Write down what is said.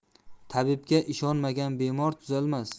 tabibga ishonmagan bemor tuzalmas